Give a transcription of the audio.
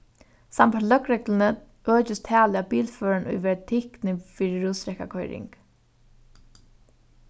sambært løgregluni økist talið á bilførarum ið verða tiknir fyri rúsdrekkakoyring